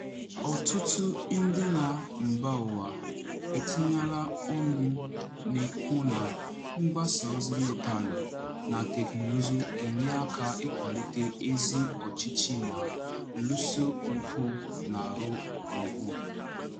Ọtụtụ ndị na mba ụwa etinyela ọnụ na-ekwu na mgbasaozi dijitalụ na teknụzụ ga-enye aka ịkwalite ezi ọchịchị ma lụso mpụ na arụ ọgụ.